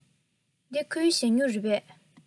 འདི ཁོའི ཞ སྨྱུག རེད པས